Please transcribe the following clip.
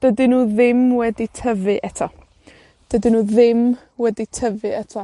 dydyn nw ddim wedi tyfu eto. Dydyn nw ddim wedi tyfu eto.